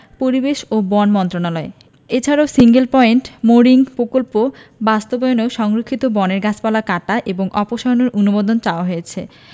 পরিবেশ ও বন মন্ত্রণালয় এছাড়া সিঙ্গেল পয়েন্ট মোরিং প্রকল্প বাস্তবায়নেও সংরক্ষিত বনের গাছপালা কাটা এবং অপসারণের অনুমোদন চাওয়া হয়েছে